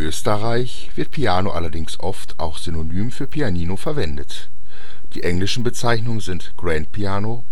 Österreich wird „ Piano “allerdings oft auch synonym für „ Pianino “verwendet. Die englischen Bezeichnungen sind „ grand piano